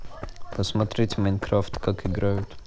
посмотреть майнкрафт как играют